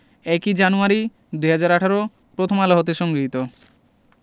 ০১ ই জানুয়ারি ২০১৮ প্রথম আলো হতে সংগৃহীত